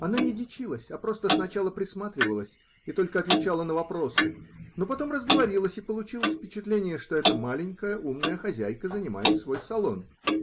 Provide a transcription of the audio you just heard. Она не дичилась, а просто сначала присматривалась и только отвечала на вопросы, но потом разговорилась, и получилось впечатление, что это маленькая умная хозяйка занимает свой салон.